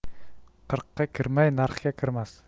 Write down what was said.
qirqqa kirmay narxga kirmas